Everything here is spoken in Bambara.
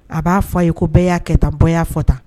A b'a fɔ a ye ko bɛɛ y'a kɛ tan bɛɛ y'a fɔ tan